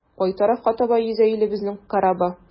Кай тарафка таба йөзә илебезнең корабы?